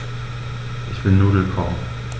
Ich will Nudeln kochen.